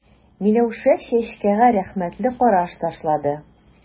Миләүшә Чәчкәгә рәхмәтле караш ташлады.